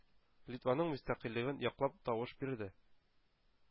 Литваның мөстәкыйльлеген яклап тавыш бирде.